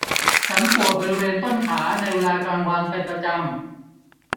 ฉันปวดบริเวณต้นขาในเวลากลางวันเป็นประจำ